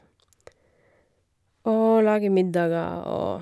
Og lager middager og...